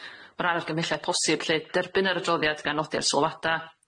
o ran argymhelliad posib lly, derbyn yr adroddiad gan nodi'r sylwada',